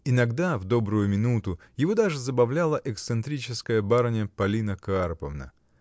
Иногда, в добрую минуту, его даже забавляла эксцентрическая барыня, Полина Карповна.